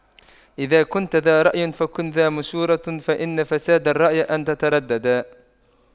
إذا كنتَ ذا رأيٍ فكن ذا مشورة فإن فساد الرأي أن تترددا